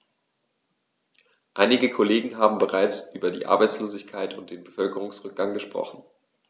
Einige Kollegen haben bereits über die Arbeitslosigkeit und den Bevölkerungsrückgang gesprochen.